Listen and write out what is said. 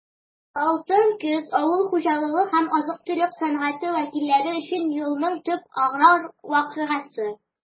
«алтын көз» - авыл хуҗалыгы һәм азык-төлек сәнәгате вәкилләре өчен елның төп аграр вакыйгасы.